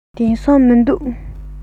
དེང སང མི འདུག